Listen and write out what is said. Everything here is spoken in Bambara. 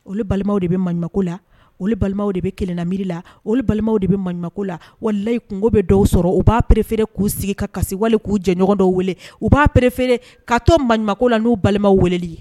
O balimaw de bɛ mako la olu balimaw de bɛ kelen na miiriri la o balimaw de bɛ ma la walilayi kungo bɛ dɔw sɔrɔ u b'a perefeere k'u sigi ka kasi wale k'u jɛɲɔgɔn dɔw wele u b'a perefeere katɔ ma la n'u balima weleli ye